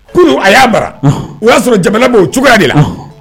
Kunun a y'a mara ɔnhɔn o y'a sɔrɔ jamana be o cogoya de la ɔnhɔn